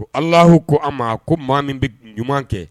Alah ko a ma ko maa min bɛ ɲuman kɛ